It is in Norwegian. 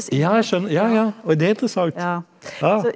ja jeg ja ja og det er interessant ja.